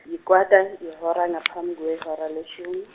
yikwata, yehora ngaphambi kwehora leshumi.